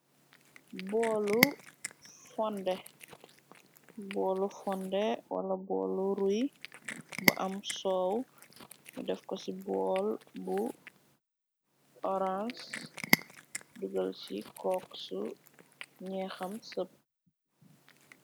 Boolu fonde, wala boolu ruy, bu am soow, yu def ko ci bool bu oranc, dugal ci cook su ñeexam sëp.